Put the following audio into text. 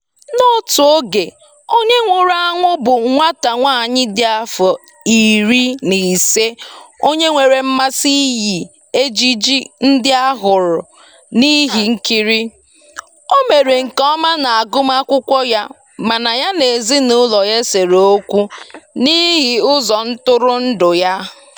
N'otu oge, onye nwụrụ anwụ bụ nwata nwaanyị dị afọ 15 onye nwere mmasi iyi ejiji ndị a hụrụ n'ihe nkiri. O mere nke ọma n'agụmakwụkwọ ya mana ya na ezinụlọ ya sere okwu n'ihi ụzọ ntụrụndụ ya.